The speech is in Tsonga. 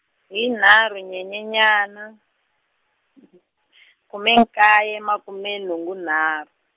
hi nharhu Nyenyenyana , khume nkaye makume nhungu nharhu.